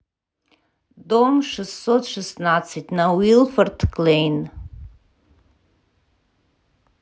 дом шестьсот шестнадцать на уилфорд клейн